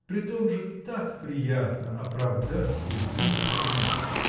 Притом же так приятно оправдать любимый предмет!